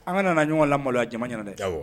An ka nana ɲɔgɔn la maloya jama ɲɛna dɛ